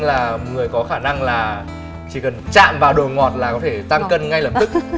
như là người có khả năng là chỉ cần chạm vào đồ ngọt là có thể tăng cân ngay lập tức